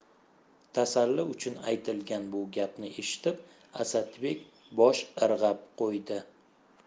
tasalli uchun aytilgan bu gapni eshitib asadbek bosh irg'ab qo'ydi